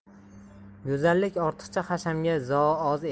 go'zallik ortiqcha hashamga zo oz